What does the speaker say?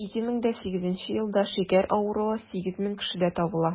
2008 елда шикәр авыруы 8 мең кешедә табыла.